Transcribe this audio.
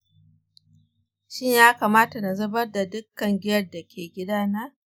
shin ya kamata na zubar da dukkan giyar da ke gidana?